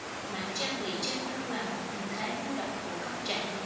mang trang bị trên lưng là một hình thái lưu động của cắm trại lều